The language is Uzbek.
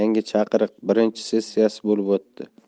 yangi chaqiriq birinchi sessiyasi bo'lib o'tdi